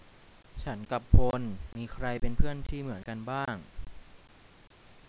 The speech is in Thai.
ฉันกับพลมีใครเป็นเพื่อนที่เหมือนกันบ้าง